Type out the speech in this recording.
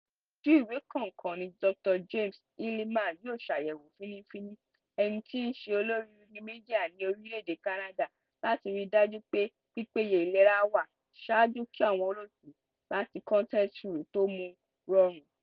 Ojú ìwé kọ̀ọ̀kan ni Dr. James Heliman yóò ṣàyẹ̀wò fínnífínní, ẹni tí í ṣe olórí Wikimedia ní orílẹ̀ èdè Canada, láti ríi dájú pé pípéye ìlera wà, ṣáájú kí àwọn olóòtú láti Content Rules tó mu rọrùn.